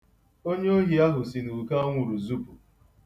Onyeohi ahụ si n'ukoanwụrụ zupụ.